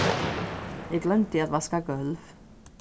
eg gloymdi at vaska gólv